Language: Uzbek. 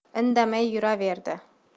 indamay turaverdi